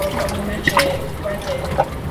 odd o'n i medru wedyn